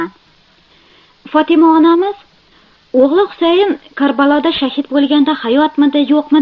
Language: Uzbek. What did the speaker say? fotima onamiz o'g'li husayn karbaloda shahid bo'lganda hayotmidi yo'qmidi